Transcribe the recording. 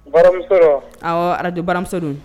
Baramuso don wa, awɔ arajo baramuso don